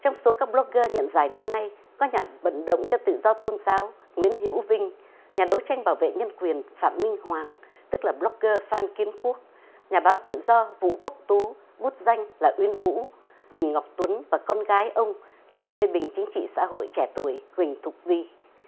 trong số các bờ lóc gơ nhận giải năm nay có nhà vận động trật tự do tôn giáo nguyễn hữu vinh nhà đấu tranh bảo vệ nhân quyền phạm minh hoàng tức là bờ lóc gơ phan kiến quốc nhà báo tự do vũ quốc tú bút danh là uyên vũ huỳnh ngọc tuấn và con gái ông là nhà phê bình chính trị xã hội trẻ tuổi huỳnh thục vy